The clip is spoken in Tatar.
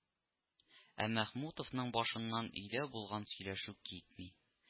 Ә Мәхмүтовның башыннан өйдә булган сөйләшү китми